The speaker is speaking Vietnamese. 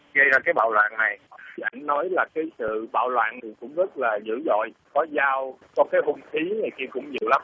gây ra bạo loạn này thì anh nói là cái sự bạo loạn thì cũng rất là dữ dội có dao hung khí này kia cũng nhiều lắm